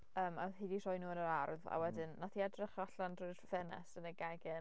Yym a oedd hi 'di rhoi nhw yn yr ardd. A wedyn wnaeth hi edrych allan drwy'r ffenest yn y gegin.